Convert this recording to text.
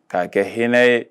K'a kɛ hinɛ ye